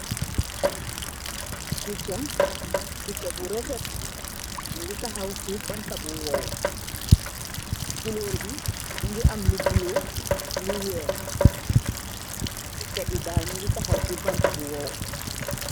Picha piccha bu refet mungi taxaw ci banta bu woow. Kulóor bi mu ngi am lu bulo lu weex. Picha daal mu ngi taxaw ci banta bu woow.